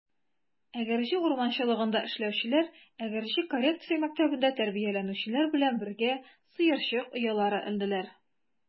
Әгерҗе урманчылыгында эшләүчеләр Әгерҗе коррекция мәктәбендә тәрбияләнүчеләр белән бергә сыерчык оялары элделәр.